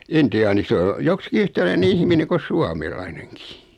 intiaani se on joksikin yhtäläinen ihminen kuin suomalainenkin